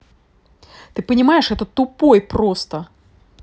ты понимаешь это тупой просто